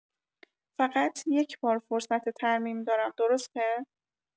فقط یکبار فرصت ترمیم دارم درسته؟